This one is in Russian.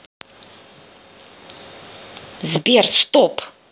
сбер стоп